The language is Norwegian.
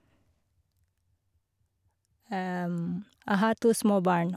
Jeg har to små barn.